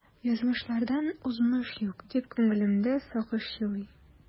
Язмышлардан узмыш юк, дип күңелемдә сагыш елый.